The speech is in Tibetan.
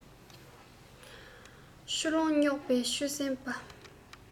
ཆུ ཀླུང རྙོག པས ཆུད གཟན པ